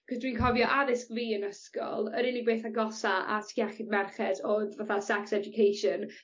'c'os dwi'n cofio addysg fi yn ysgol yr unig beith agosa at iechyd merched o'dd fatha sex education